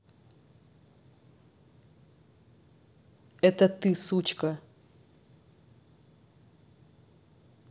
это ты сучка